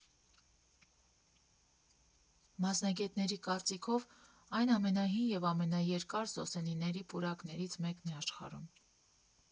Մասնագետների կարծիքով այն ամենահին և ամենաերկար սոսենիների պուրակներից մեկն է աշխարհում։